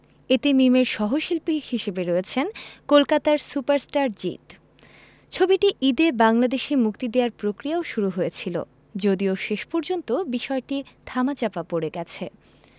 এতে মিমের সহশিল্পী রয়েছেন কলকাতার সুপারস্টার জিৎ ছবিটি ঈদে বাংলাদেশে মুক্তি দেয়ার প্রক্রিয়াও শুরু হয়েছিল যদিও শেষ পর্যন্ত বিষয়টি ধামাচাপা পড়ে গেছে